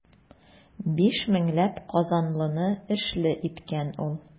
Биш меңләп казанлыны эшле иткән ул.